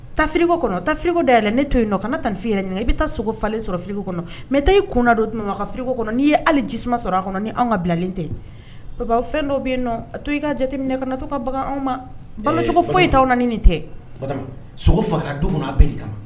Ta friko kɔnɔ tariko da yɛlɛ la ne to yen nɔ kana taafin i yɛrɛ ɲini i bɛ taa sogo falen sɔrɔ filiko kɔnɔ mɛ taa i kun don tuma ka fko kɔnɔ n'i ye'ale jima sɔrɔ a kɔnɔ ni ka bilalen tɛ fɛn dɔ bɛ yen nɔn to i ka jateminɛ to ka bagan anw macogo foyi t'aw tɛ sogo faga don